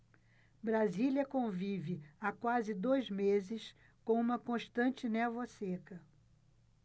brasília convive há quase dois meses com uma constante névoa seca